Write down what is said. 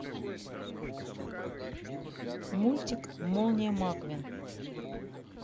мультик молния маквин